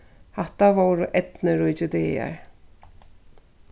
hatta vóru eydnuríkir dagar